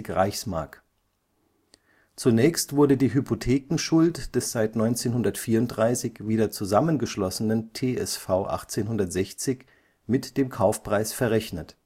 Reichsmark. Zunächst wurde die Hypothekenschuld des seit 1934 wieder zusammengeschlossenen TSV 1860 mit dem Kaufpreis verrechnet